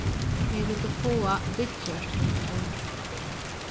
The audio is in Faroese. tey vildu fáa viðgjørt hetta evnið